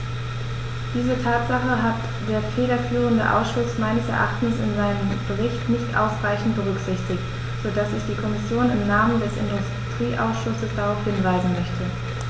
Diese Tatsache hat der federführende Ausschuss meines Erachtens in seinem Bericht nicht ausreichend berücksichtigt, so dass ich die Kommission im Namen des Industrieausschusses darauf hinweisen möchte.